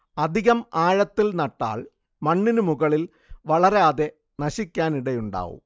അധികം ആഴത്തിൽ നട്ടാൽ മണ്ണിനു മുകളിൽ വളരാതെ നശിക്കാനിടയുണ്ടാവും